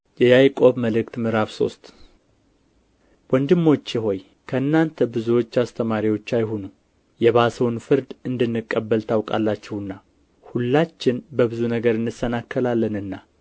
የያዕቆብ መልእክት ምዕራፍ ሶስት ወንድሞቼ ሆይ ከእናንተ ብዙዎቹ አስተማሪዎች አይሁኑ የባሰውን ፍርድ እንድንቀበል ታውቃላችሁና ሁላችን በብዙ ነገር እንሰናከላለንና